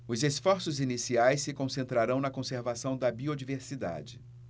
os esforços iniciais se concentrarão na conservação da biodiversidade